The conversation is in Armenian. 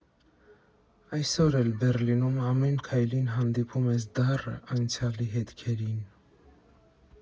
Այսօր էլ Բեռլինում ամեն քայլին հանդիպում ես դառը անցյալի հետքերին։